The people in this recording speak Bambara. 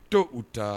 To u ta